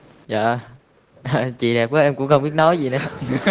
dạ chị đẹp quá em cũng không biết nói gì nữa